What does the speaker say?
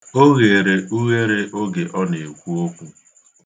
O ghere ughere oge ọ na-ekwu okwu.